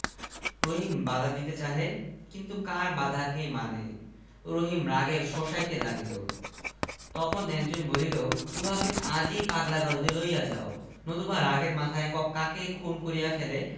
তুমি কি আজ বাজার হইতে মাছ কিনিয়াছ রহিম বলিল কেন আমি যে আজ ইটা ক্ষেত হইতে শোলমাছটা ধরিয়া আনিলাম বউ উত্তর করিল বল কি ইটা ক্ষেতে